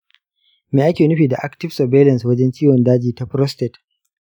me ake nufi da active surveillance wajen ciwon daji ta prostate?